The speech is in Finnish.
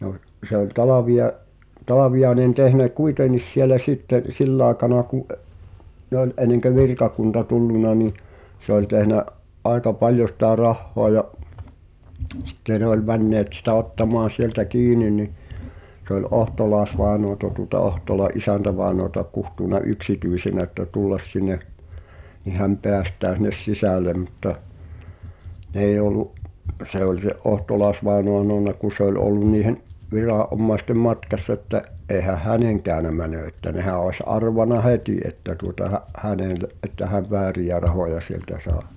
no se oli - Talviainen tehnyt kuitenkin siellä sitten sillä aikana kun - ne oli ennen kuin virkakunta tullut niin se oli tehnyt aika paljon sitä rahaa ja sitten ne oli menneet sitä ottamaan sieltä kiinni niin se oli - Ohtolais-vainajaa tuota Ohtolan isäntävainajaa kutsunut yksityisenä että tulla sinne niin hän päästää sinne sisälle mutta ne ei ollut se oli se Ohtolais-vainaja sanonut kun se oli ollut niiden viranomaisten matkassa että eihän hänen käynyt meno että nehän olisi arvannut heti että tuota hän hänelle että hän vääriä rahoja sieltä sai